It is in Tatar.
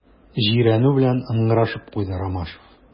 Җирәнү белән ыңгырашып куйды Ромашов.